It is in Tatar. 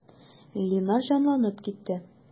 Линар җанланып китте.